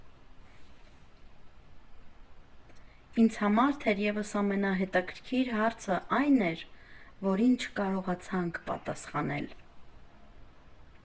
Ինձ համար թերևս ամենահետաքրքիր հարցը այն էր, որին չկարողացանք պատասխանել։